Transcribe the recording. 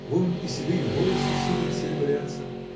Вон и седые волосы сильно серебрятся.